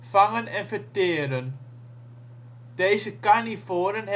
vangen en verteren. Deze carnivoren